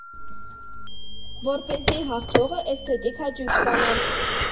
Որպեսզի հաղթողը էսթետիկ հաճույք ստանա։